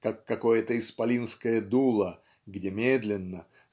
как какое-то исполинское дуло где медленно